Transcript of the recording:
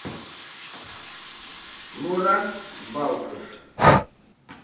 мурат балкыш